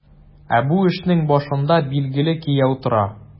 Ә бу эшнең башында, билгеле, кияү тора.